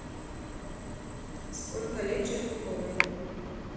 сколько лет черняковой